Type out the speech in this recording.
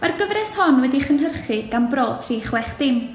Mae'r gyfres hon wedi'i chynhyrchu gan Bro tri chwech dim.